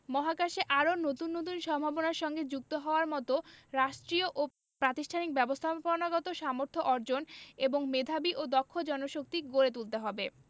মহাকাশে আরও নতুন নতুন সম্ভাবনার সঙ্গে যুক্ত হওয়ার মতো রাষ্ট্রীয় ও প্রাতিষ্ঠানিক ব্যবস্থাপনাগত সামর্থ্য অর্জন এবং মেধাবী ও দক্ষ জনশক্তি গড়ে তুলতে হবে